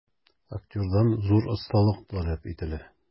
Актердан зур осталык таләп ителә.